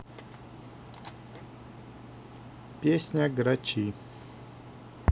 песня грачи